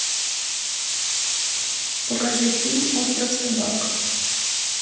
покажи фильм остров собак